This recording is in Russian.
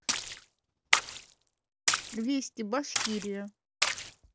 вести башкирия